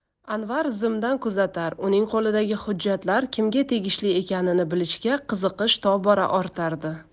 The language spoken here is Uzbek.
anvar zimdan kuzatar uning qo'lidagi hujjatlar kimga tegishli ekanini bilishga qiziqish tobora ortardi